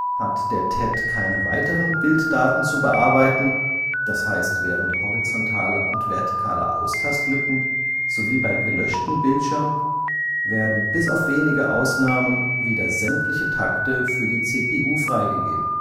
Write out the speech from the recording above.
Hat der TED keine weiteren Bilddaten zu bearbeiten, d.h. während horizontaler und vertikaler Austastlücken sowie bei gelöschtem Bildschirm, werden – bis auf wenige Ausnahmen – wieder sämtliche Takte für die CPU freigegeben